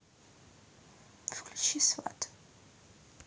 включить сваты